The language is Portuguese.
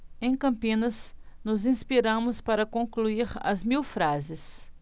em campinas nos inspiramos para concluir as mil frases